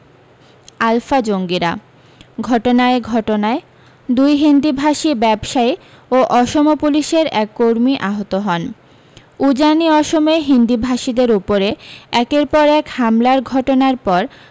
alpha জঙ্গিরা ঘটনায় ঘটনায় দুই হিন্দিভাষী ব্যবসায়ী ও অসম পুলিশের এক কর্মী আহত হন উজানি অসমে হিন্দিভাষীদের উপরে একের পর এক হামলার ঘটনার পর